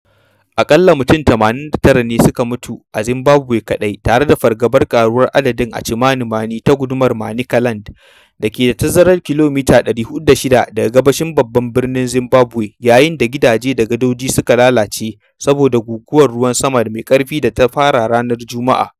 Aƙalla mutum 89 ne suka mutu a Zimbabwe kaɗai, tare da fargabar ƙaruwar adadin, a Chimanimani ta gundumar Manicaland, da ke da tazarar kilomita 406 daga gabashin babban birnin Zimbabwe. Yayin da gidaje da gadoji suka lalace saboda guguwar ruwan sama mai ƙarfi da ta fara a ranar Juma’a.